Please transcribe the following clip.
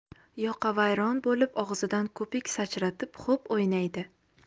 yoqavayron bo'lib og'zidan ko'pik sachratib xo'p o'ynaydi